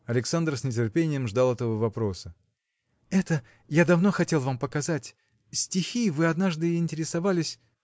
Александр с нетерпением ждал этого вопроса. – Это. я давно хотел вам показать. стихи: вы однажды интересовались.